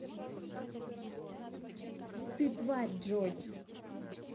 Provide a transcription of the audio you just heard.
ты тварь джой